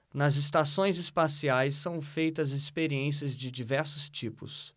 nas estações espaciais são feitas experiências de diversos tipos